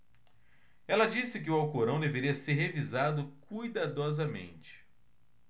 ela disse que o alcorão deveria ser revisado cuidadosamente